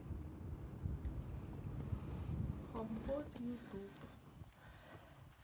компот ютуб